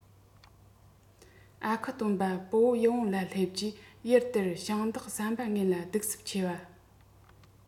ཨ ཁུ སྟོན པ སྤོ བོ ཡིད འོང ལ སླེབས རྗེས ཡུལ དེར ཞིང བདག བསམ པ ངན ལ གདུག རྩུབ ཆེ བ